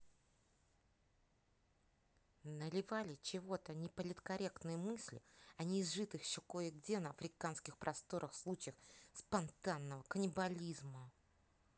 наливали чего то неполиткорректные мысли о неизжитых еще кое где на африканских просторах случаях спонтанного каннибализма